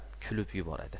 kulib yuboradi